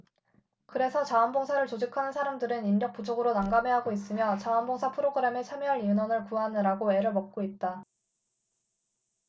그래서 자원 봉사를 조직하는 사람들은 인력 부족으로 난감해하고 있으며 자원 봉사 프로그램에 참여할 인원을 구하느라고 애를 먹고 있다